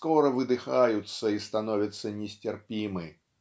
скоро выдыхаются и становятся нестерпимы.